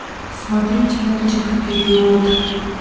смотреть мультик вперед